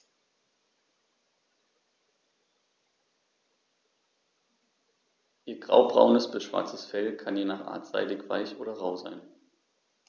Ihr graubraunes bis schwarzes Fell kann je nach Art seidig-weich oder rau sein.